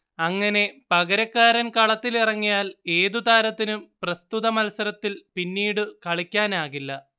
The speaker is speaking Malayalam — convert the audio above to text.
അങ്ങനെ പകരക്കാരൻ കളത്തിലിറങ്ങിയാൽ ഏതു താരത്തിനും പ്രസ്തുത മത്സരത്തിൽ പിന്നീടു കളിക്കാനാകില്ല